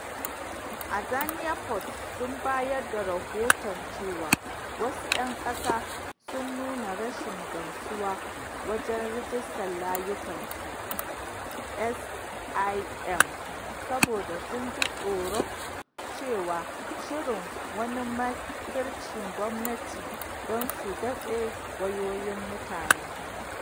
Azania Post sun bayar da rahoton cewa wasu ‘yan ƙasa sun nuna rashin gamsuwa wajen rajistar layukansu (SIM) saboda suna jin tsoron cewa shirin “wani makircin gwamnati don su datsi wayoyin mutane.”